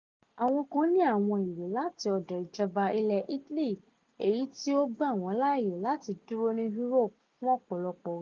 Àwọn kan ní àwọn ìwé láti ọ̀dọ̀ ìjọba ilẹ̀ Italy èyí tí ó gbà wọ́n láàyè láti dúró ní Europe fún ọ̀pọ̀lọpọ̀ oṣù.